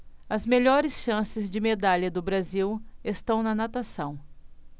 as melhores chances de medalha do brasil estão na natação